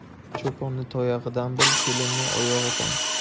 cho'ponni tayog'idan bil kelinni oyog'idan